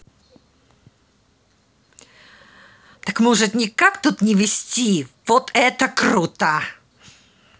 так может никак тут не вести вот это круто